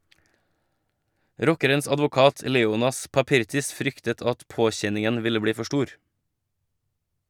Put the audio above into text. Rockerens advokat, Leonas Papirtis, fryktet at påkjenningen ville bli for stor.